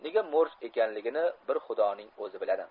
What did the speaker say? nega morj ekanligini bir xudoning o'zi biladi